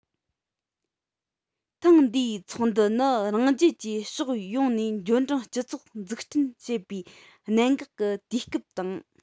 ཐེངས འདིའི ཚོགས འདུ ནི རང རྒྱལ གྱིས ཕྱོགས ཡོངས ནས འབྱོར འབྲིང སྤྱི ཚོགས འཛུགས སྐྲུན བྱེད པའི གནད འགག གི དུས སྐབས དང